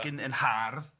ac yn yn hardd... Reit